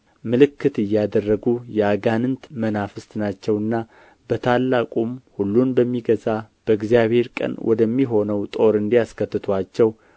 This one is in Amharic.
ምልክት እያደረጉ የአጋንንት መናፍስት ናቸውና በታላቁም ሁሉን በሚገዛ በእግዚአብሔር ቀን ወደ ሚሆነው ጦር እንዲያስከትቱአቸው